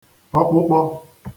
ọkpụkpọ